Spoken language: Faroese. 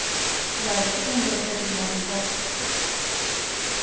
leið trý hundrað tekur ímóti gjaldskorti